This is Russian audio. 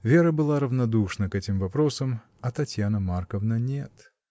Вера была равнодушна к этим вопросам, а Татьяна Марковна нет.